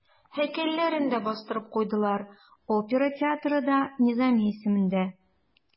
Һәйкәлләрен дә бастырып куйдылар, опера театры да Низами исемендә.